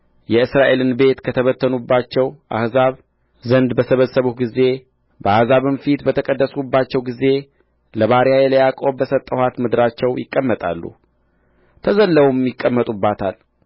የእስራኤልን ቤት ከተበተኑባቸው አሕዛብ ዘንድ በሰበሰብሁ ጊዜ በአሕዛብም ፊት በተቀደስሁባቸው ጊዜ ለባሪያዬ ለያዕቆብ በሰጠኋት ምድራቸው ይቀመጣሉ ተዘልለውም ይቀመጡባታል